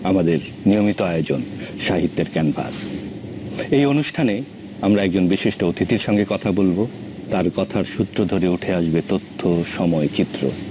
আমাদের নিয়মিত আয়োজন সাহিত্যের ক্যানভাস এই অনুষ্ঠানে আমরা একজন বিশিষ্ট অতিথির সঙ্গে কথা বলব তার কথার সূত্র ধরে উঠে আসবে তথ্য সময়চিত্র